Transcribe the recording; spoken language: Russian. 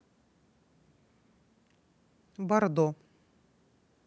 бордо